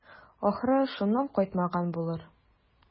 Ахры, шуннан кайтмаган булыр.